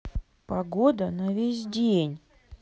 погода на весь день